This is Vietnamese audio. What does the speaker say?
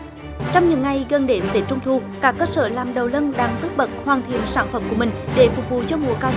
trong những ngày gần đến tết trung thu các cơ sở làm đầu lân đang tất bật hoàn thiện sản phẩm của mình để phục vụ cho mùa cao